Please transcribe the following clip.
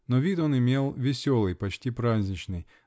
но вид он имел веселый, почти праздничный